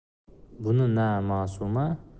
buni na ma'suma